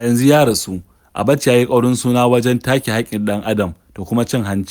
A yanzu ya rasu, Abacha ya yi ƙaurin suna wajen take haƙƙin ɗan'adam da kuma cin hanci.